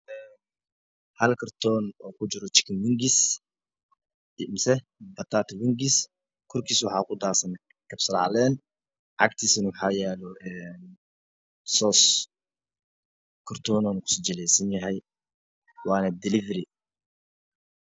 Hal kartoon oo kujira jikin minds imisa bataati winds waxaa ku daadsan kabsar caleen agtiisa waxaa yaalo soos kortoonu ku sajalaysan yahay waana deliveri